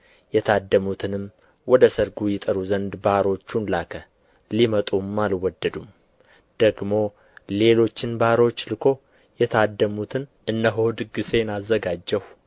የታደሙትንም ወደ ሰርጉ ይጠሩ ዘንድ ባሮቹን ላከ ሊመጡም አልወደዱም ደግሞ ሌሎችን ባሮች ልኮ የታደሙትን እነሆ ድግሴን አዘጋጀሁ